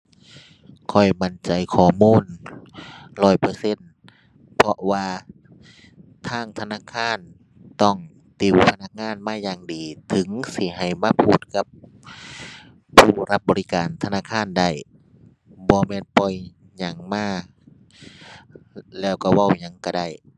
ข้อยมั่นใจข้อมูลร้อยเปอร์เซ็นต์ เพราะว่าทางธนาคารต้องติวพนักงานมาอย่างดีถึงสิให้มาพูดกับผู้รับบริการธนาคารได้ บ่แม่นปล่อยหยังมา แล้วก็เว้าหยังก็ได้